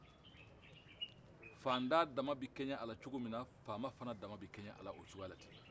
faantan dama bɛ kɛɲɛ ala cɔgoyami na fagama fana dama bɛ kɛɲɛ a la o cogoya de la